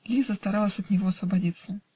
" Лиза старалась от него освободиться.